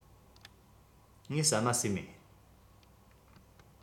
ངས ཟ མ ཟོས མེད